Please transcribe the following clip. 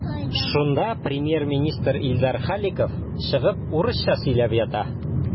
Шунда премьер-министр Илдар Халиков чыгып урысча сөйләп ята.